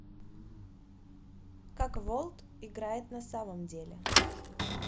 как world или играет на самом деле